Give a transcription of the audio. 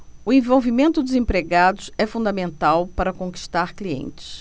o envolvimento dos empregados é fundamental para conquistar clientes